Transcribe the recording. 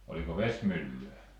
oliko vesimyllyä